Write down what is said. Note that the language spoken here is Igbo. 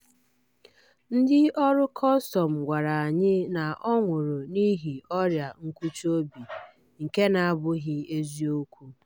Ndị ọrụ kọstọmụ gwara anyị na ọ nwụrụ n'ihi ọrịa nkụchi obi, nke na-abụghị eziokwu.